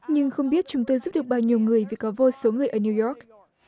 nhưng không biết chúng tôi giúp được bao nhiêu người vì có vô số người ở niu doóc